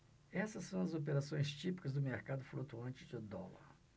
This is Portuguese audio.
essas são as operações típicas do mercado flutuante de dólar